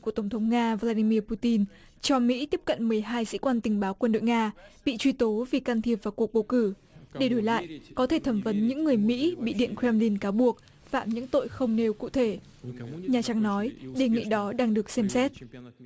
của tổng thống nga vờ la đi mia pu tin cho mỹ tiếp cận mười hai sĩ quan tình báo quân đội nga bị truy tố vì can thiệp vào cuộc bầu cử để đổi lại có thể thẩm vấn những người mỹ bị điện kem rin cáo buộc phạm những tội không nêu cụ thể nhà trắng nói đề nghị đó đang được xem xét